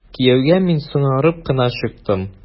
Кияүгә мин соңарып кына чыктым.